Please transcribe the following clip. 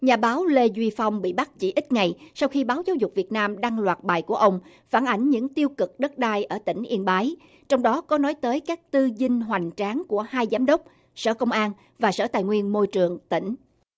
nhà báo lê duy phong bị bắt chỉ ít ngày sau khi báo giáo dục việt nam đăng loạt bài của ông phản ánh những tiêu cực đất đai ở tỉnh yên bái trong đó có nói tới các tư dinh hoành tráng của hai giám đốc sở công an và sở tài nguyên môi trường tỉnh